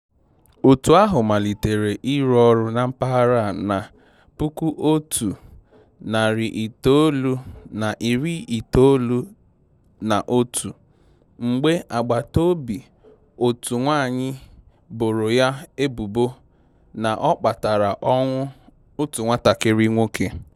Otu ahụ malitere ịrụ ọrụ na mpaghara a na 1991 mgbe agbataobi otu nwaanyị boro ya ebubo na ọ kpatara ọnwụ otu nwatakịrị nwoke.